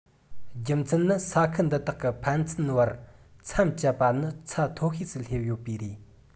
རྒྱུ མཚན ནི ས ཁུལ འདི དག གི ཕན ཚུན བར མཚམས བཅད པ ནི ཚད མཐོ ཤོས སུ སླེབས ཡོད པས རེད